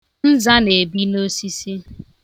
Nza na-ebi n'osisi.